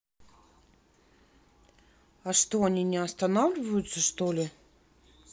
а что они не останавливаются что ли